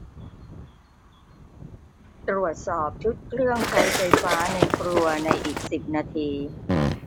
ตรวจสอบชุดเครื่องใช้ไฟฟ้าในครัวในอีกสิบนาที